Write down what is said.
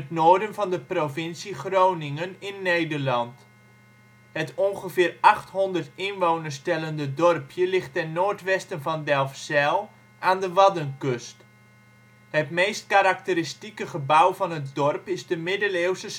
noorden van de provincie Groningen in Nederland. Het ongeveer 800 inwoners tellende dorpje ligt ten noordwesten van Delfzijl aan de Waddenkust. Het meest karakteristieke gebouw van het dorp is de middeleeuwse